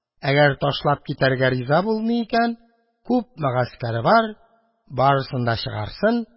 Әгәр ташлап китәргә риза булмый икән, күпме гаскәре бар, барысын да чыгарсын.